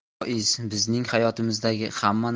voiz bizning hayotimizdagi hamma